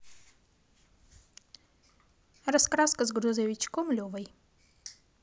раскраска с грузовичком левой